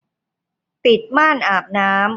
ปิดม่านอาบน้ำ